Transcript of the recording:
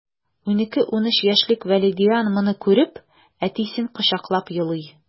12-13 яшьлек вәлидиан моны күреп, әтисен кочаклап елый...